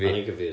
o'n i'n confused